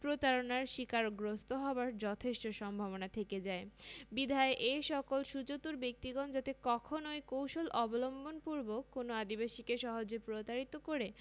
প্রতারণার শিক্ষারগ্রস্ত হবার যথেষ্ট সম্ভাবনা থেকে যায় বিধায় এসকল সুচতুর ব্যক্তিগণ যাতে কখনো কৌশল অবলম্বনপূর্বক কোনও আদিবাসীকে সহজে প্রতারিত করে